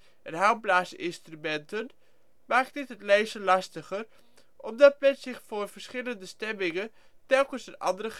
en houtblaas instrumneten maakt dit het lezen lastiger, omdat men zich voor de verschillende stemmingen telkens een andere